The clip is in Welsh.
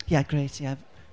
Ie grêt, ie.